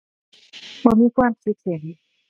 บ่มีความคิดเห็น